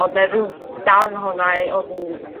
Odd 'na ryw darn ohona i odd yn